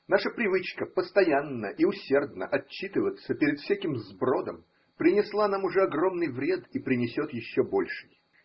Наша привычка постоянно и усердно отчитываться перед всяким сбродом принесла нам уже огромный вред и принесет еще больший.